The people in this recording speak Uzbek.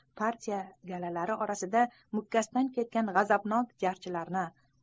partiya galalari orasida mutaassib g'azabnok jarchilarni